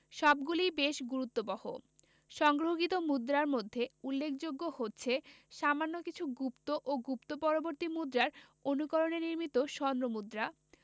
সবগুলিই বেশ গুরুত্ববহ সংগ্রহকৃত মুদ্রার মধ্যে উল্লেখযোগ্য হচ্ছে সামান্য কিছু গুপ্ত ও গুপ্ত পরবর্তী মুদ্রার অনুকরণে নির্মিত স্বর্ণ মুদ্রা